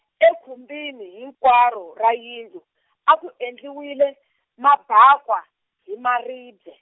ekhumbini hinkwaro ra yindlu , a ku endliwile, mabakwa, hi maribye.